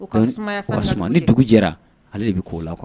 O ka sumaya sani o ka sumaa ka dugu jɛ ni dugu jɛra ale de be k'o la